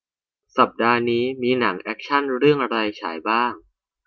สัปดาห์นี้มีหนังแอ็คชั่นเรื่องอะไรฉายบ้าง